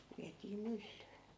vietiin myllyyn